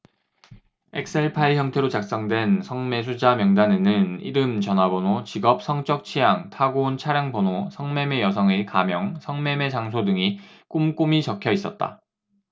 엑셀파일 형태로 작성된 성매수자 명단에는 이름 전화번호 직업 성적 취향 타고 온 차량 번호 성매매 여성의 가명 성매매 장소 등이 꼼꼼히 적혀 있었다